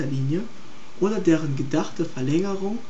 4-m-Linie) oder deren gedachte Verlängerung